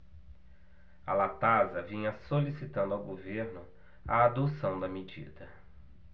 a latasa vinha solicitando ao governo a adoção da medida